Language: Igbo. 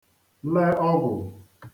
le ọgwụ̀